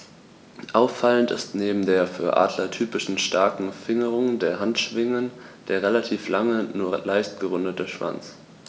Auffallend ist neben der für Adler typischen starken Fingerung der Handschwingen der relativ lange, nur leicht gerundete Schwanz.